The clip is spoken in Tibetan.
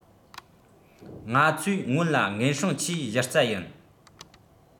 ང ཚོས སྔོན ལ འགན སྲུང ཆེས གཞི རྩ ཡིན